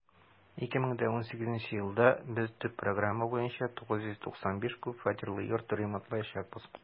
2018 елда без төп программа буенча 995 күп фатирлы йорт ремонтлаячакбыз.